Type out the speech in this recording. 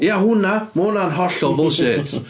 Ia, hwnna, ma' hwnna'n hollol bullshit.